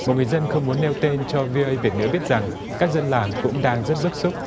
một người dân không muốn nêu tên cho vi âu ây việt ngữ biết rằng các dân làng cũng đang rất bức xúc